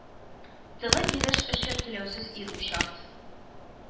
Тогы билеш өчен түләүсез ир учас